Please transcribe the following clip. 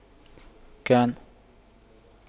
كان